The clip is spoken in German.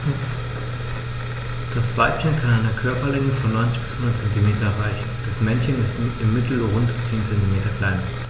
Das Weibchen kann eine Körperlänge von 90-100 cm erreichen; das Männchen ist im Mittel rund 10 cm kleiner.